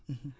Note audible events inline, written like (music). (hesitation) (hesitation)